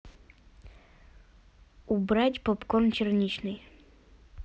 убрать попкорн черничный